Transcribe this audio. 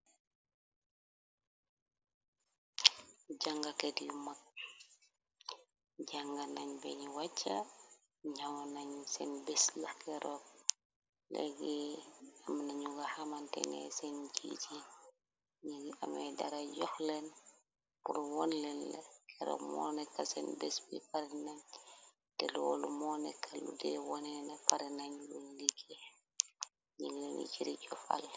Jangaket yu mag, jànga nañ beñ wàcc, ñawo nañ seen bés laxke roog, leegi am nañu ga xamantenee seen jiit yi, nii amey dara jox leen bur woon leen ke rog mooneka seen bés bi, parenañ te loolu mooneka ludee wonee na parinañ luñ ligge, njing lani jëri jofal.